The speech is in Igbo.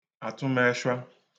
atụmẹshwa